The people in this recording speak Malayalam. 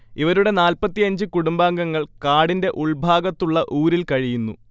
ഇവരുടെ നാല്‍പ്പത്തിയഞ്ച് കുടുംബാംഗങ്ങൾ കാടിന്റെ ഉൾഭാഗത്തുള്ള ഊരിൽ കഴിയുന്നു